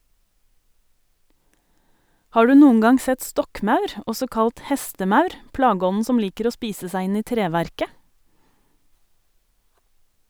Har du noen gang sett stokkmaur, også kalt hestemaur, plageånden som liker å spise seg inn i treverket?